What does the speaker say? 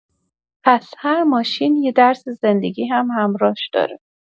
پس هر ماشین یه درس زندگی هم همراهش داره؟